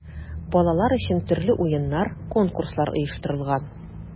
Балалар өчен төрле уеннар, конкурслар оештырылган.